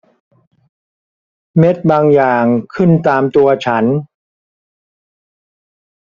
เม็ดบางอย่างขึ้นตามตัวฉัน